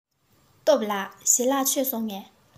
སྟོབས ལགས ཞལ ལག མཆོད སོང ངས